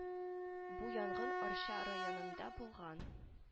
Бу янгын арча районында булган